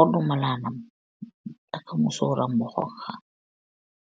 oduu Malanam taka musoram buu oung ka